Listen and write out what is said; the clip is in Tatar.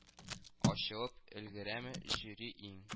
Ачылып өлгерәме, жюри иң